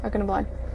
Ac yn y blaen.